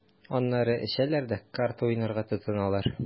Аннары эчәләр дә карта уйнарга тотыналар.